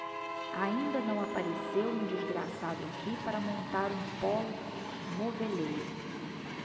ainda não apareceu um desgraçado aqui para montar um pólo moveleiro